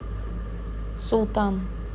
султан